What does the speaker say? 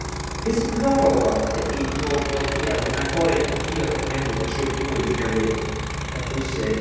Be sy'n ddiddorol ddo ydy dwi'n meddwl bod, ia, ma' bod yn agored i drio petha newydd a trio bwyd newydd yn bwysig.